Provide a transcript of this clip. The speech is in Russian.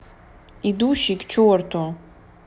идущий к черту